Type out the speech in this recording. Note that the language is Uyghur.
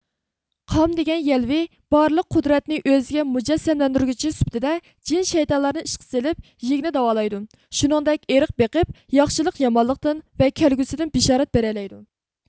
قام دىگەن يەلۋې بارلىق قۇدرەتنى ئۆزىگە مۇجەسسەملەندۈرگۈچى سۈپىتىدە جىن شەيتانلارنى ئىشقا سىلىپ يېگنى داۋالايدۇ شۇنىڭدەك ئېرق بىقىپ ياخشىلىق يامانلىقتىن ۋە كەلگۈسىدىن بېشارەت بېرەلەيدۇ